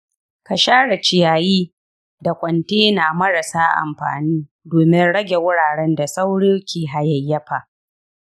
ka share ciyayi da kwantena marasa amfani domin rage wuraren da sauro ke hayayyafa.